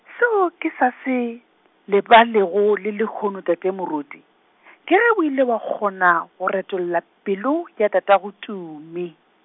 seo ke sa se, lebalego le lehono tate Moruti, ke ge o ile wa kgona go retolla pelo ya tatagoTumi.